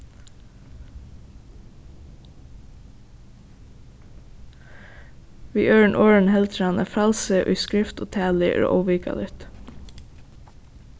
við øðrum orðum heldur hann at frælsið í skrift og talu er óvikaligt